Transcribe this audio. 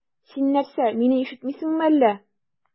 Син нәрсә, мине ишетмисеңме әллә?